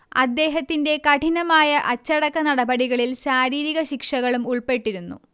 അദ്ദേഹത്തിന്റെ കഠിനമായ അച്ചടക്കനടപടികളിൽ ശാരീരിക ശിക്ഷകളും ഉൾപ്പെട്ടിരുന്നു